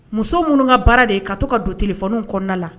Muso minnu ka baara de ye ka to ka don téléphone kɔnɔna la